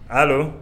Allo